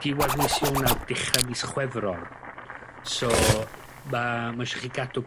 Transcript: diwadd mis Ionawr dechra mis Chwefror. So ma' ma' isio chi gadw